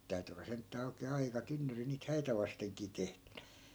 sitä täytyi olla sentään oikein aika tynnyri niitä häitä vastenkin tehtynä